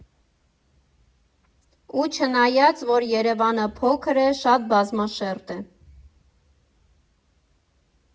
Ու չնայած, որ Երևանը փոքր է՝ շատ բազմաշերտ է։